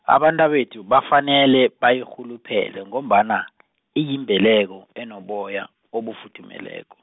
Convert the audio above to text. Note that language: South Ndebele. abantabethu bafanele bayirhuluphele ngombana, iyimbeleko, enoboya, obufuthumelako.